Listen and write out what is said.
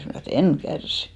minä sanoin että en kärsi